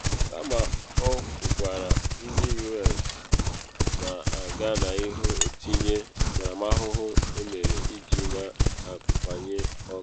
Kama, o kwukwara, ndị U.S. na aga n’ihu etinye ntaramahụhụ emere iji na akwanye ọkụ.